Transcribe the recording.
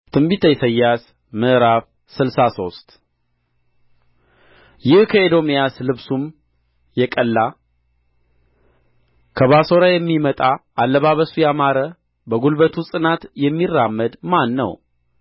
ትንቢተ ኢሳይያስ ምዕራፍ ስልሳ ሶስት ይህ ከኤዶምያስ ልብሱም የቀላ ከባሶራ የሚመጣ አለባበሱ ያማረ በጕልበቱ ጽናት የሚራመድ ማን ነው